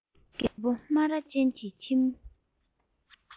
རྒད པོ སྨ ར ཅན གྱི ཁྱིམ